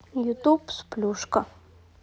ютуб сплюшка